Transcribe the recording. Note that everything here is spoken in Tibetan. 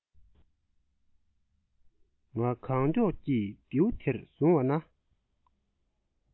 ང གང མགྱོགས ཀྱིས རྡེའུ དེར བཟུར བ ན